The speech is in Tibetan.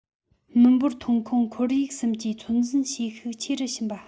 མི འབོར ཐོན ཁུངས ཁོར ཡུག གསུམ གྱི ཚོད འཛིན བྱེད ཤུགས ཆེ རུ ཕྱིན པ